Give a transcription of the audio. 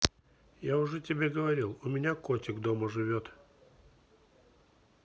я уже тебе говорил у меня котик дома живет